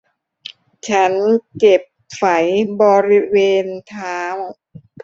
ฉันเจ็บไฝบริเวณเท้า